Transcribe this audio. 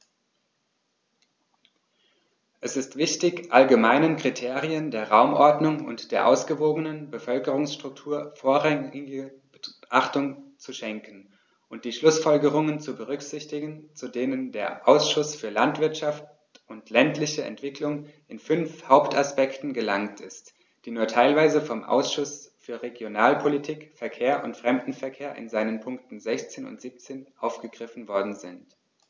Es ist wichtig, allgemeinen Kriterien der Raumordnung und der ausgewogenen Bevölkerungsstruktur vorrangige Beachtung zu schenken und die Schlußfolgerungen zu berücksichtigen, zu denen der Ausschuss für Landwirtschaft und ländliche Entwicklung in fünf Hauptaspekten gelangt ist, die nur teilweise vom Ausschuss für Regionalpolitik, Verkehr und Fremdenverkehr in seinen Punkten 16 und 17 aufgegriffen worden sind.